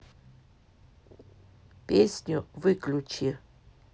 песню выключи